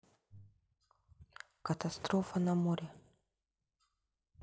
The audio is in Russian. катастрофа на море